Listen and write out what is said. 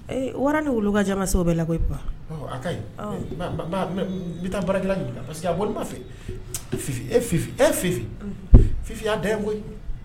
Wara ni wolo kajama sɛbɛn bɛɛ la koyi a ka n bi taa barakɛla ɲini parce a bɔ fɛ fi e fi e fi fifi y'a da koyi